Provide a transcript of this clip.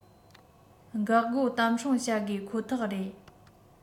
འགག སྒོ དམ སྲུང བྱ དགོས ཁོ ཐག རེད